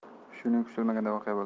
shunda kutilmagan voqea bo'ldi